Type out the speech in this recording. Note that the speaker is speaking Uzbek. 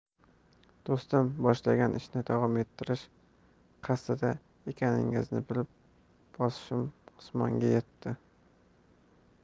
do'stim boshlagan ishni davom ettirish qasdida ekaningizni bilib boshim osmonga yetdi